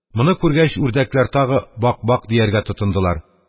Моны күргәч, үрдәкләр тагы «бак, бак!..» дияргә тотындылар.